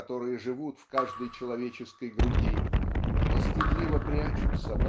которые живут в каждой человеческой груди но стыдливо прячутся